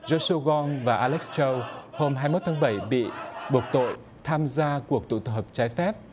dô su vong và a lếch châu hôm hai mốt tháng bảy bị buộc tội tham gia cuộc tụ tập trái phép